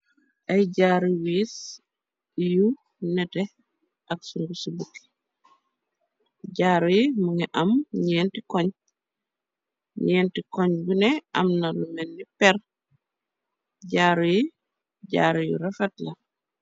Ay jaaru wiis, yu nete ak sungu ci bukki, jaaru yi mu ngi am ñeenti koñ, ñeenti koñ bune am na lu melni per, jaaru yi jaaru yu rafat la.